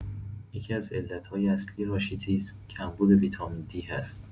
یکی‌از علتای اصلی راشیتیسم کمبود ویتامین دی هست.